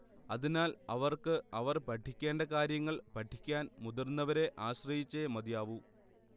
അതിനാൽ അവർക്ക് അവർ പഠിക്കേണ്ട കാര്യങ്ങൾ പഠിക്കാൻ മുതിർന്നവരെ ആശ്രയിച്ചേ മതിയാകൂ